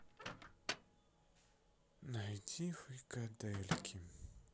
найди фрикадельки